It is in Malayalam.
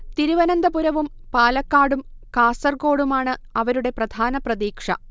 തിരുവനന്തപുരവും പാലക്കാടും കാസർകോടുമാണ് അവരുടെ പ്രധാന പ്രതീക്ഷ